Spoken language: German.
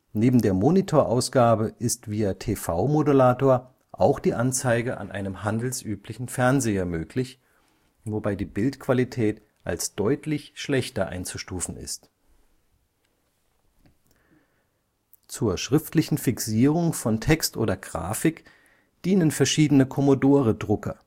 Neben der Monitorausgabe ist via TV-Modulator auch die Anzeige an einem handelsüblichen Fernseher möglich, wobei die Bildqualität als deutlich schlechter einzustufen ist. Zur schriftlichen Fixierung von Text oder Grafik dienen verschiedene Commodore-Drucker